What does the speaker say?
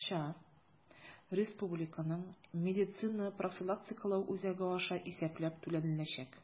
Бу акча Республиканың медицина профилактикалау үзәге аша исәпләп түләнеләчәк.